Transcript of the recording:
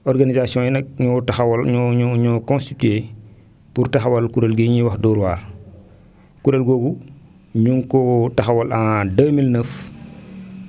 organisations yi nag ñoo taxawal ñoo ñoo ñoo constitué pour taxawal lii ñuy wax Dóor waar kuréel googu ñu ngi ko taxawal en 2009